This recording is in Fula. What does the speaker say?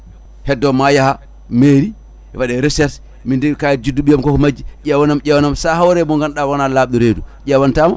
heddo ma yaaha mairie waɗe recherche min de kayit juddu ɓiiyam koko majji ƴewanam ƴewanam sa hawre e mo ganduɗa wona labɗo reedu ƴewantama